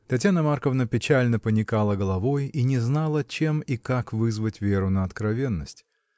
Татьяна Марковна печально поникала головой и не знала, чем и как вызвать Веру на откровенность.